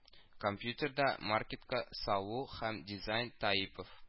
Компьютерда маркетка салу һәм дизайн Таипов